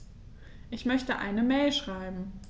Ich möchte eine Mail schreiben.